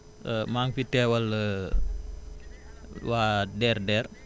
maa fi teewal waa DRDR